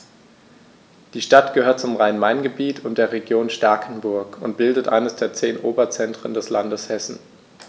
Die Stadt gehört zum Rhein-Main-Gebiet und der Region Starkenburg und bildet eines der zehn Oberzentren des Landes Hessen.